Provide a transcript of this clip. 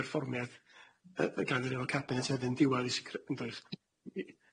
perfformoiad yy gan yr aelod cabinet yn y diwedd yndoes?